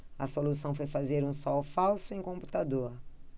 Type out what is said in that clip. a solução foi fazer um sol falso em computador